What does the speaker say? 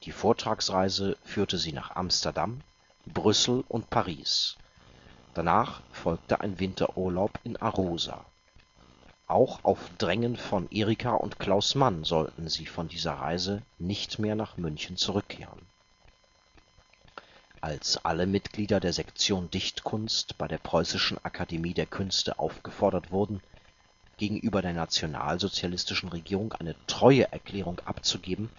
Vortragsreise führte sie nach Amsterdam, Brüssel und Paris, danach folgte ein Winterurlaub in Arosa – auch auf Drängen von Erika und Klaus Mann sollten sie von dieser Reise nicht mehr nach München zurückkehren. Als alle Mitglieder der Sektion Dichtkunst bei der Preußischen Akademie der Künste aufgefordert wurden, gegenüber der nationalsozialistischen Regierung eine Treueerklärung abzugeben